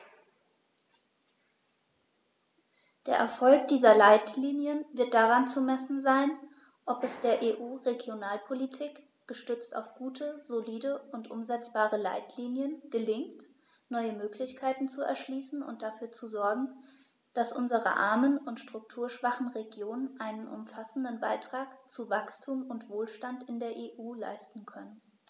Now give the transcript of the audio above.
Der Erfolg dieser Leitlinien wird daran zu messen sein, ob es der EU-Regionalpolitik, gestützt auf gute, solide und umsetzbare Leitlinien, gelingt, neue Möglichkeiten zu erschließen und dafür zu sorgen, dass unsere armen und strukturschwachen Regionen einen umfassenden Beitrag zu Wachstum und Wohlstand in der EU leisten können.